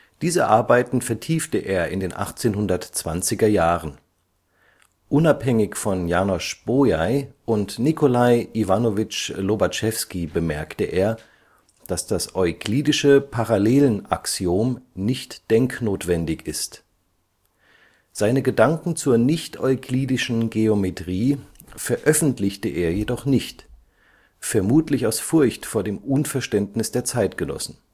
Diese Arbeiten vertiefte er in den 1820er Jahren: Unabhängig von János Bolyai und Nikolai Iwanowitsch Lobatschewski bemerkte er, dass das euklidische Parallelenaxiom nicht denknotwendig ist. Seine Gedanken zur nichteuklidischen Geometrie veröffentlichte er jedoch nicht, vermutlich aus Furcht vor dem Unverständnis der Zeitgenossen